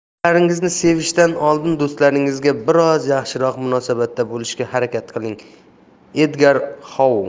dushmanlaringizni sevishdan oldin do'stlaringizga biroz yaxshiroq munosabatda bo'lishga harakat qiling edgar xou